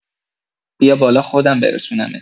بیا بالا خودم برسونمت.